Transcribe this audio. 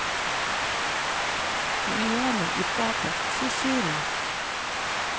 милана и папа все серии